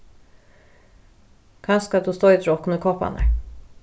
kanska tú stoytir okkum í kopparnar